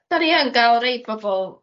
'Dan ni yn ga'l rei bobol